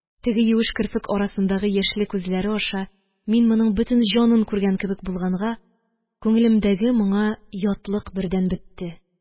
Теге юеш керфек арасындагы яшьле күзләре аша мин моның бөтен җанын күргән кебек булганга, күңелемдәге моңа ятлык бердән бетте